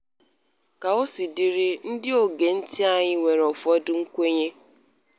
Ka o siri dị, ndị ogee ntị anyị nwere ụfọdụ nkwenye...